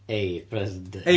A present day.